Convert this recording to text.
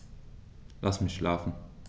Lass mich schlafen